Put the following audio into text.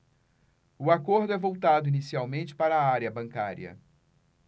o acordo é voltado inicialmente para a área bancária